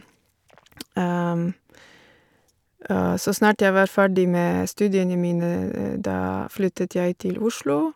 Og så snart jeg var ferdig med studiene mine, da flyttet jeg til Oslo.